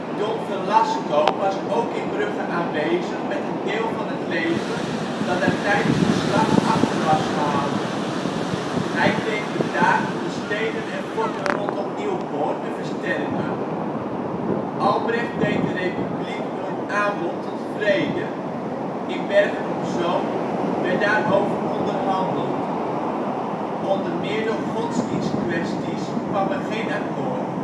Don Velasco was ook in Brugge aanwezig met een deel van het leger dat daar tijdens de slag achter was gehouden. Hij kreeg de taak om de steden en forten rondom Nieuwpoort te versterken. Albrecht deed de Republiek een aanbod tot vrede, in Bergen op Zoom werd daar over onderhandeld. Onder meer door godsdienstkwesties kwam er geen akkoord